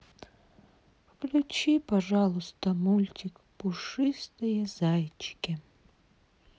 включи пожалуйста мультик пушистые зайчики